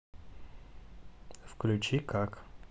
включи как